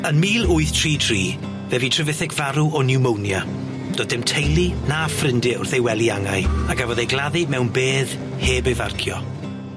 Yn mil wyth tri tri fe fu Trevithick farw o niwmonia do'dd dim teulu na ffrindie wrth ei wely angau a gafodd ei gladdu mewn bedd heb ei farcio.